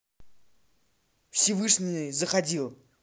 всевышний захотел